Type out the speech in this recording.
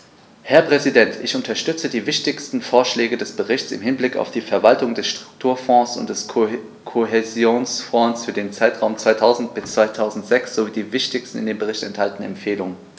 Herr Präsident, ich unterstütze die wichtigsten Vorschläge des Berichts im Hinblick auf die Verwaltung der Strukturfonds und des Kohäsionsfonds für den Zeitraum 2000-2006 sowie die wichtigsten in dem Bericht enthaltenen Empfehlungen.